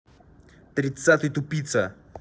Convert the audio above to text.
тридцатый тупица